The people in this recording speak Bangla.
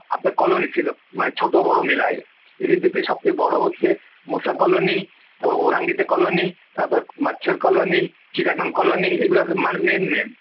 আপনার কলোনি ছিল মানে ছোট-বড় মিলিয়ে সবচেয়ে বড় হচ্ছে মশা কলোনি ওরাং গীতে কলোনি মার্চের colony Chittagong colony main main